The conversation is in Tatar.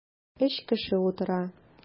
Өч кеше утыра.